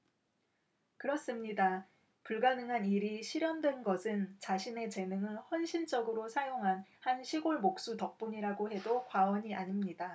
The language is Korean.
그렇습니다 불가능한 일이 실현된 것은 자신의 재능을 헌신적으로 사용한 한 시골 목수 덕분이라고 해도 과언이 아닙니다